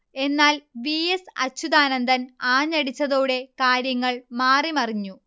എന്നാൽ V. S. Achuthanandan ആഞ്ഞടിച്ചതോടെ കാര്യങ്ങൾ മാറി മറിഞ്ഞു